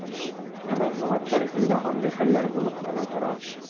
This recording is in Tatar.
Ә матбугат тарихында андый хәлләр булып кына тора.